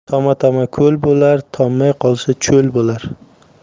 toma toma ko'l bo'lar tommay qolsa cho'l bo'lar